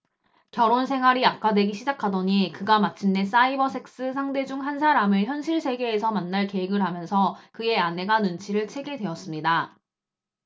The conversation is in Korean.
결혼 생활이 악화되기 시작하더니 그가 마침내 사이버섹스 상대 중 한 사람을 현실 세계에서 만날 계획을 하면서 그의 아내가 눈치를 채게 되었습니다